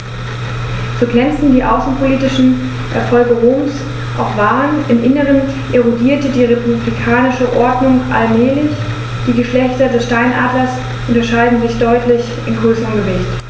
So glänzend die außenpolitischen Erfolge Roms auch waren: Im Inneren erodierte die republikanische Ordnung allmählich. Die Geschlechter des Steinadlers unterscheiden sich deutlich in Größe und Gewicht.